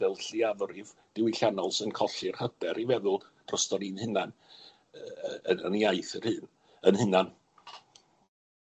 fel lleiafrif diwylliannol sy'n colli'r hyder i feddwl drosto'n ni'n hunan yy yy yn 'yn iaith 'yn hu- 'yn hunan.